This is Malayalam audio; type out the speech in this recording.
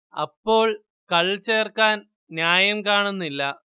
അപ്പോൾ കൾ ചേർക്കാൻ ന്യായം കാണുന്നില്ല